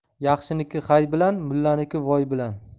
baxshiniki hay bilan mullaniki voy bilan